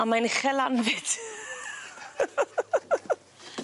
A mae'n uchel lan 'fyd.